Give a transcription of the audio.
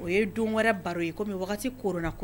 O ye don wɛrɛ baro ye kɔmi waati kourunna